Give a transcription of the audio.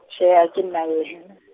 tjhee ha kena yena na.